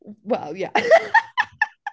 Wel, ie.